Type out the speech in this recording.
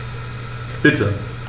Bitte.